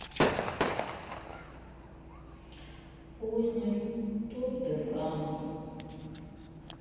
познер тур де франс